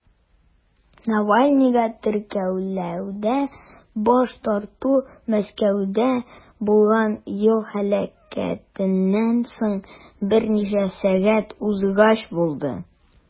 Навальныйга теркәлүдә баш тарту Мәскәүдә булган юл һәлакәтеннән соң берничә сәгать узгач булды.